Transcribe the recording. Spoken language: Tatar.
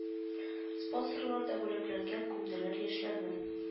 Спонсорлар да бүләкләргә күмделәр яшьләрне